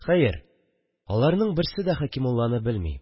Хәер, аларның берсе дә Хәкимулланы белми